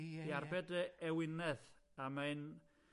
Ie ie ie. I arbed dy ewinedd a mae'n